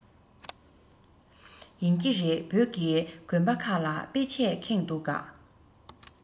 ཡིན གྱི རེད བོད ཀྱི དགོན པ ཁག ལ དཔེ ཆས ཁེངས འདུག ག